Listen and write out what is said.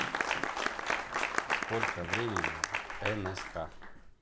сколько время в нск